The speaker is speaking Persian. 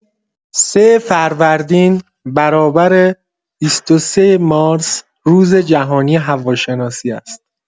۳ فروردین برابر ۲۳ مارس روز جهانی هواشناسی است.